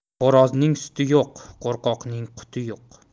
xo'rozning suti yo'q qo'rqoqning quti yo'q